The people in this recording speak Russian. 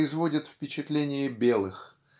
производят впечатление белых